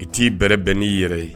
I t'i bɛ bɛn n'i yɛrɛ ye